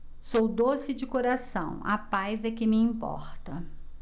sou doce de coração a paz é que me importa